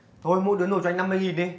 thôi mỗi đứa nộp cho anh năm mươi nghìn đi